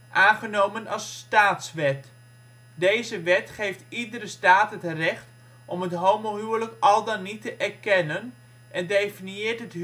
aangenomen als staatswet. Deze wet geeft iedere staat het recht om het homohuwelijk al dan niet te erkennen, en definieert